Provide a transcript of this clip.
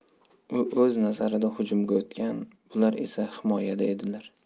u o'z nazarida hujumga o'tgan bular esa himoyada edilar